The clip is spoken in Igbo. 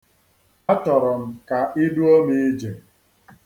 Achọrọ m ka I duo m ije.